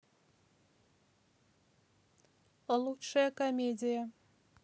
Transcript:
лучшая комедия